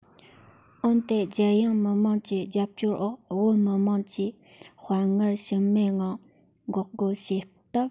འོན ཏེ རྒྱལ ཡོངས མི དམངས ཀྱི རྒྱབ སྐྱོར འོག བོད མི དམངས ཀྱིས དཔའ ངར ཞུམ མེད ངང འགོག རྒོལ བྱས སྟབས